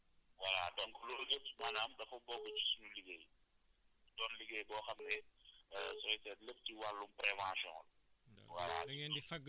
ah voilà donc loolu yëpp maanaam dafa bokk ci suñu liggéey doon liggéey boo xam ne day seet lépp ci wàllu prévention voilà